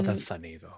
Oedd e'n ffyni ddo.